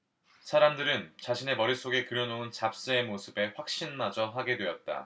사람들은 자신의 머릿속에 그려놓은 잡스의 모습에 확신마저 하게 되었다